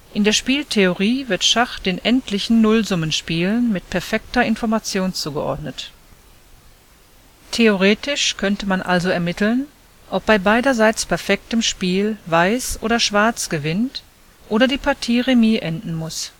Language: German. In der Spieltheorie wird Schach den endlichen Nullsummenspielen mit perfekter Information zugeordnet. Theoretisch könnte man also ermitteln, ob bei beiderseits perfektem Spiel Weiß oder Schwarz gewinnt oder die Partie remis enden muss